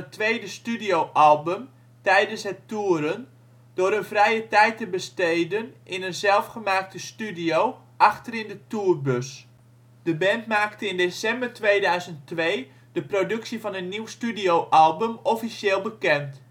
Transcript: tweede studioalbum tijdens het toeren, door hun vrije tijd te besteden in een zelfgemaakte studio achterin de tourbus. De band maakte in december 2002 de productie van een nieuwe studio album officieel bekend